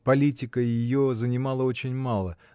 Политика ее занимала очень мало